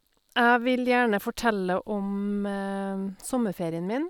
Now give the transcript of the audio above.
Jeg vil gjerne fortelle om sommerferien min.